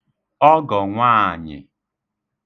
ọgọ̀ nwaànyị̀